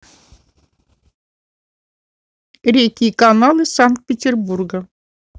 реки и каналы санкт петербурга